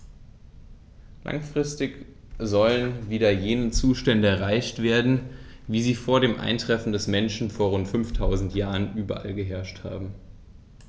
Langfristig sollen wieder jene Zustände erreicht werden, wie sie vor dem Eintreffen des Menschen vor rund 5000 Jahren überall geherrscht haben.